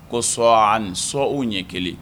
Ko sɔ ni sɔ o ɲɛ kelen